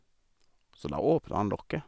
Så da åpna han lokket.